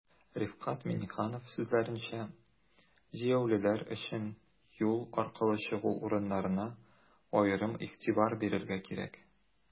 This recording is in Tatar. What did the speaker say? Рифкать Миңнеханов сүзләренчә, җәяүлеләр өчен юл аркылы чыгу урыннарына аерым игътибар бирергә кирәк.